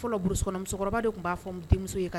Fɔlɔ brousse kɔnɔ musokɔrɔba de tun b'a fɔ n denmuso ye ka